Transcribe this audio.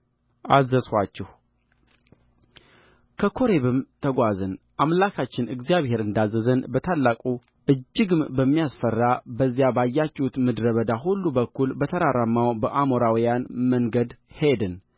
አዘዝኋችሁከኮሬብም ተጓዝን አምላካችን እግዚአብሔር እንዳዘዘን በታላቁ እጅግም በሚያስፈራ በዚያ ባያችሁት ምድረ በዳ ሁሉ በኩል በተራራማው በአሞራውያን መንገድ ሄድን